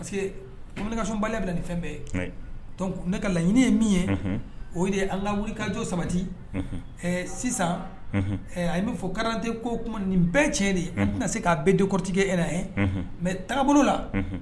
Parce que bamanankasoba bɛ ni fɛn bɛɛ ne ka laɲini ye min ye o de yebukajɔ sabati sisan a bɛ fɔ garante ko ni bɛɛ cɛ de n bɛna na se k'a bɛɛ denkkɔrɔtigi e na ye mɛ taa bolo la